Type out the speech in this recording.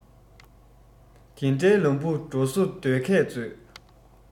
དེ འདྲའི ལམ དུ འགྲོ བཟོ སྡོད མཁས མཛོད